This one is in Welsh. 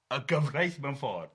y gyfraith mewn ffordd.